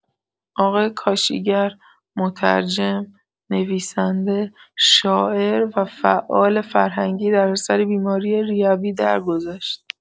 آقای کاشیگر، مترجم، نویسنده، شاعر و فعال فرهنگی در اثر بیماری ریوی درگذشت.